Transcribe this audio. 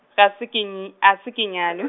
a se ke ny-, a se ke nyalwe.